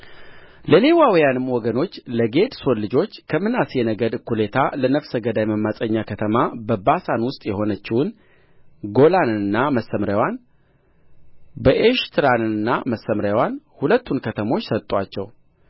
ለሌዋውያንም ወገኖች ለጌድሶን ልጆች ከምናሴ ነገድ እኩሌታ ለነፍሰ ገዳይ መማፀኛ ከተማ በባሳን ውስጥ የሆነችውን ጎላንንና መሰምርያዋን በኤሽትራንና መሰምርያዋን ሁለቱን ከተሞች ሰጡአቸው